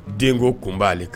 Denko kun b'ale kan